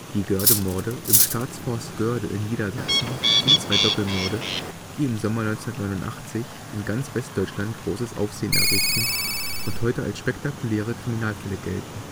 Die Göhrde-Morde im Staatsforst Göhrde in Niedersachsen sind zwei Doppelmorde, die im Sommer 1989 in ganz Westdeutschland großes Aufsehen erregten und heute als spektakuläre Kriminalfälle gelten